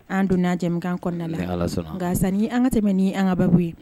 An donna jɛmukan kɔnɔna na nka sani an ka tɛmɛ ni an ka baabu ye